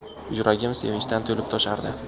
yuragim sevinchdan to'lib toshardi